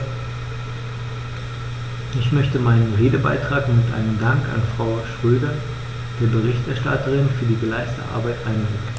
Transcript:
Ich möchte meinen Redebeitrag mit einem Dank an Frau Schroedter, der Berichterstatterin, für die geleistete Arbeit einleiten.